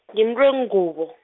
ngi wengubo.